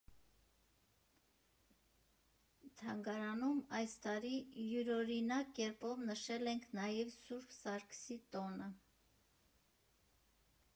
Թանգարանում այս տարի յուրօրինակ կերպով նշել ենք նաև Սուրբ Սարգսի տոնը։